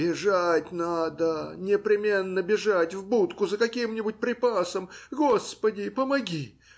Бежать надо, непременно бежать в будку за каким-нибудь припасом. Господи, помоги!